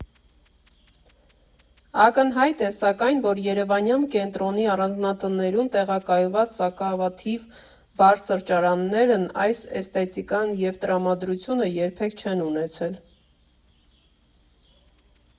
Ակնհայտ է, սակայն, որ երևանյան Կենտրոնի առանձնատներում տեղակայված սակավաթիվ բար֊սրճարաններն այս էսթետիկան և տրամադրությունը երբեք չեն ունեցել։